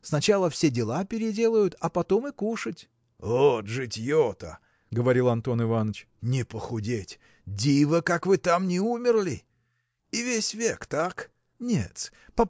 сначала все дела переделают, а потом и кушать. – Вот житье-то! – говорил Антон Иваныч. – Не похудеть! диво, как вы там не умерли! И весь век так? – Нет-с